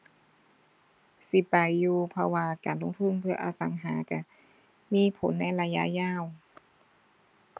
สิไปอยู่ เพราะว่าการลงทุนเพื่ออสังหาก็มีผลในระยะยาว